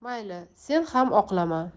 mayli sen ham oqlama